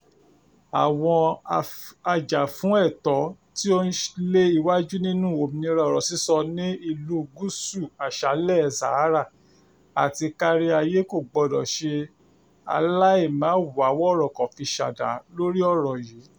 Àwọn ajàfúnẹ̀tọ́ tí ó ń lé iwájú nínú òmìnira ọ̀rọ̀ sísọ ní ìlú-Gúúsù-Aṣálẹ̀-Sàhárà àti káríayé kò gbọdọ̀ ṣe aláì máà wá wọ̀rọ̀kọ̀ fi ṣ'àdá lórí ọ̀ràn yìí.